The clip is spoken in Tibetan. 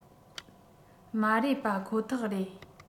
མ རེད པ ཁོ ཐག རེད